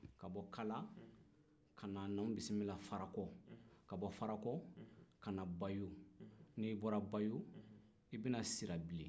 ka bɔ kala ka n'anw bisimila farakɔ ka bɔ farakɔ ka na bayo n'i bɔra bayo i bɛ na sirabilen